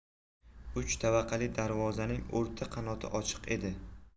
uch tavaqali darvozaning o'rta qanoti ochiq edi